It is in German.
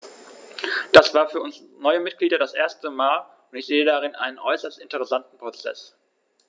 Das war für uns neue Mitglieder das erste Mal, und ich sehe darin einen äußerst interessanten Prozess.